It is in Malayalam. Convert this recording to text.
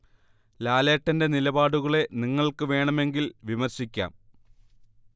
ലാലേട്ടന്റെ നിലപാടുകളെ നിങ്ങൾക്ക് വേണമെങ്കിൽ വിമർശിക്കാം